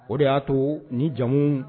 O de y'a to ni jamu